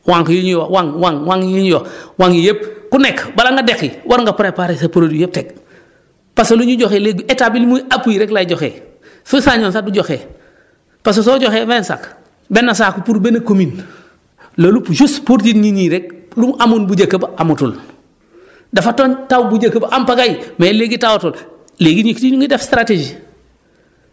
wànq yi ñuy wax waŋ waŋ waŋ yi ñuy wax waŋ yëpp ku nekk bala nga dekki war nga préparer sa produit yëpp teg parce que lu ñu joxe léegi état bi lu muy appui rek lay joxe su sañoon sax du joxe parce que soo joxee vingt sacs benn saako pour benn commune loolu juste dir nit ñi rek lu mu amoon bu njëkk ba amatul dafa doon taw bu njëkk ba en pagaille mais léegi tawatul léegi ñu ngi si ñu ngi def stratégie